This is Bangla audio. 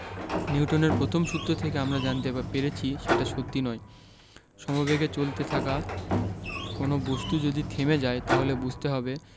নিউটনের প্রথম সূত্র থেকে আমরা জানতে পেরেছি সেটা সত্যি নয় সমবেগে চলতে থাকা কোনো বস্তু যদি থেমে যায় তাহলে বুঝতে হবে